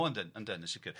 O yndyn yndyn yn sicr.